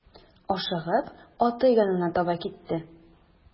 Ашыгып аты янына таба китте.